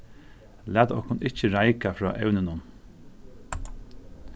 lat okkum ikki reika frá evninum